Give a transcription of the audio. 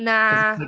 Na.